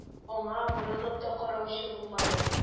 Аңа борылып та караучы булмады.